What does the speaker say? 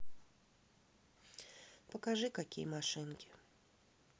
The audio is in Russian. покажи какие машинки